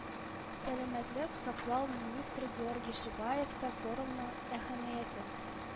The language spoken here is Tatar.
Сәламәтлек саклау министры Георгий Шебаев та форумның әһәмиятен